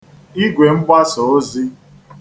igwèmgbasaōzī